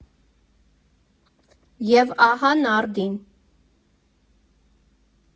Եվ ահա նարդին։